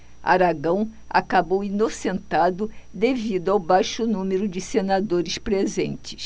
aragão acabou inocentado devido ao baixo número de senadores presentes